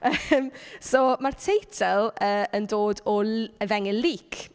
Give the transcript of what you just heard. Yym so, ma'r teitl yy yn dod o l- Efengyl Luc.